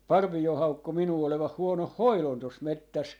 Parvio haukkui minua olevan huonon hoidon tuossa metsässä